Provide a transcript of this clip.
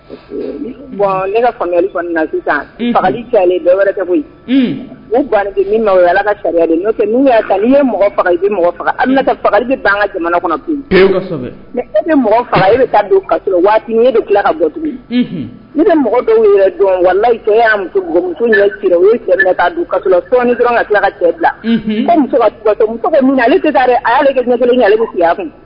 Ne sisan bɔ o min ka sariya' faga ban ka jamana e faga e bɛ taa waati bɛ ka bɔ tugun ne tɛ mɔgɔ dɔw yɛrɛ jɔ wala e'a muso ɲɛ ka ka cɛ'ale ɲɛ kelenli kun